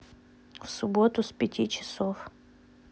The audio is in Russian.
в субботу с пяти часов